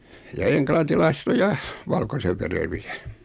ja englantilaiset on ja valkoisenvereviä